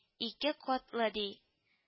Ике катлы ди